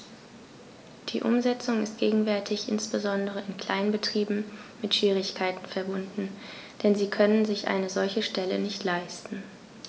Die Umsetzung ist gegenwärtig insbesondere in kleinen Betrieben mit Schwierigkeiten verbunden, denn sie können sich eine solche Stelle nicht leisten.